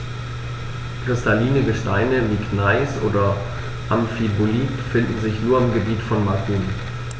Kristalline Gesteine wie Gneis oder Amphibolit finden sich nur im Gebiet von Macun.